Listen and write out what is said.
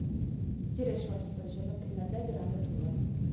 Йөреш артты, җылы көннәрдә веранда тулы.